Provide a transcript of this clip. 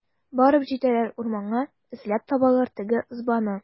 Барып җитәләр урманга, эзләп табалар теге ызбаны.